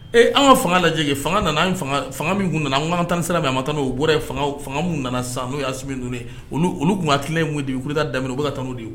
E an ka fanga lajɛ kɛ, fanga nana, fanga min nana an ko k'an ka taa sira min fɛ, an ma taa n'o ye, o bɔra fanga la, fanga minnu nana sisan n'o ye Asimi ninnu ye, olu tun hakilina ye min ye depuis coup d'Etat daminɛ, u bɛ ka taa n'o de ye.